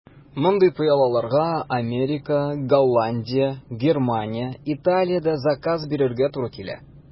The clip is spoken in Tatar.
Мондый пыялаларга Америка, Голландия, Германия, Италиядә заказ бирергә туры килә.